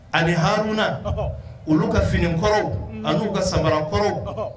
Ani haruna olu ka finikɔrɔ ani ka samarakɔrɔ